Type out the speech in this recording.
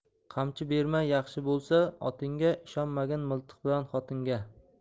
qamchi berma yaxshi bo'lsa otingga ishonmagin miltiq bilan xotinga